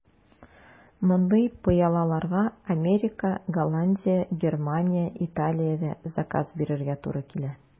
Мондый пыялаларга Америка, Голландия, Германия, Италиядә заказ бирергә туры килә.